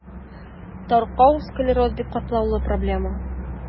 Таркау склероз – бик катлаулы проблема.